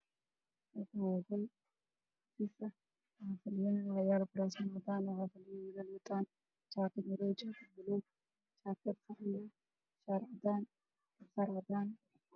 Meeshan waa qol waxaa fadhiyo wiilal oo wataan sudut suuduudka midabkoodu waa guduud madow buluug ayaa cagaar